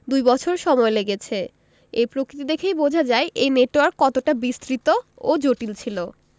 দুই বছর সময় লেগেছে এর প্রকৃতি দেখেই বোঝা যায় এই নেটওয়ার্ক কতটা বিস্তৃত ও জটিল ছিল